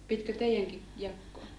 pitikö teidänkin jakaa